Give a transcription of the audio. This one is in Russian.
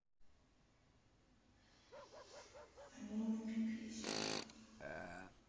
алена пипися